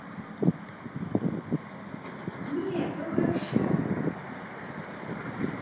не то хорошо